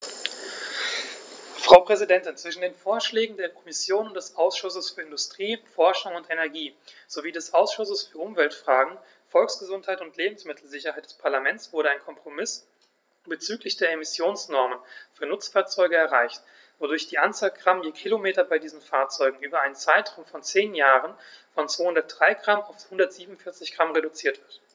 Frau Präsidentin, zwischen den Vorschlägen der Kommission und des Ausschusses für Industrie, Forschung und Energie sowie des Ausschusses für Umweltfragen, Volksgesundheit und Lebensmittelsicherheit des Parlaments wurde ein Kompromiss bezüglich der Emissionsnormen für Nutzfahrzeuge erreicht, wodurch die Anzahl Gramm je Kilometer bei diesen Fahrzeugen über einen Zeitraum von zehn Jahren von 203 g auf 147 g reduziert wird.